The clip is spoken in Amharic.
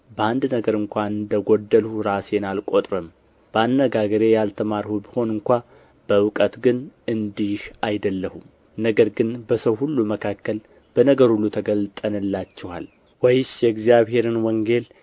በአንድ ነገር እንኳ እንደ ጎደልሁ ራሴን አልቆጥርም በአነጋገሬ ያልተማርሁ ብሆን እንኳ በእውቀት ግን እንዲህ አይደለሁም ነገር ግን በሰው ሁሉ መካከል በነገር ሁሉ ተገልጠንላችኋል ወይስ የእግዚአብሔርን ወንጌል